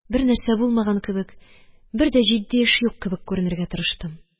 Бернәрсә булмаган кебек, бер дә җитди эш юк кебек күренергә тырыштым.